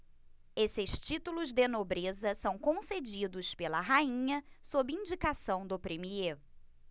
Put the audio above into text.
esses títulos de nobreza são concedidos pela rainha sob indicação do premiê